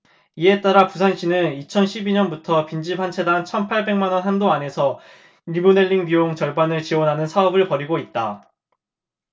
이에 따라 부산시는 이천 십 이 년부터 빈집 한 채당 천 팔백 만원 한도 안에서 리모델링 비용 절반을 지원하는 사업을 벌이고 있다